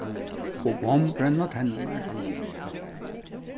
og bomm brenna tenninar